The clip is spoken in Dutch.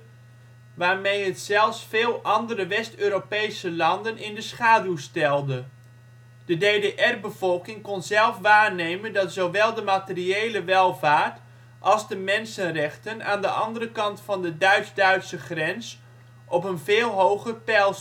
waarmee het zelfs veel andere West-Europese landen in de schaduw stelde. De DDR-bevolking kon zelf waarnemen dat zowel de materiële welvaart als de mensenrechten aan de andere kant van de Duits-Duitse grens op een veel hoger peil stonden